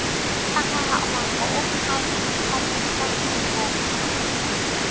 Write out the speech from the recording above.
tân hoa hậu hoàn vũ hai nghìn không trăm mười một bật mí